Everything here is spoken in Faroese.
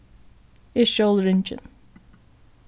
eg stjól ringin